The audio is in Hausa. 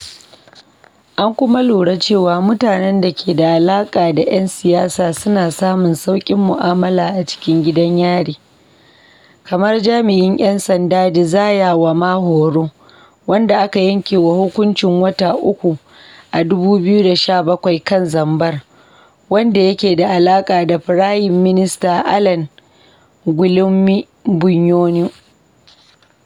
An kuma lura cewa mutanen da ke da alaka da yan siyasa suna samun sauƙin mu'amala a cikin gidan yari, kamar jami’in yan sanda Désiré Uwamahoro — wanda aka yanke wa hukuncin wata uku a 2017 kan zambar — wadda yake da alaka da Firayim Minista Alain Guillaume Bunyoni.